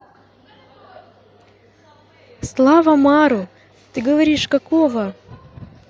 слава мару ты говоришь какого